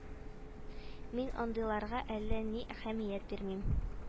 Мин андыйларга әллә ни әһәмият бирмим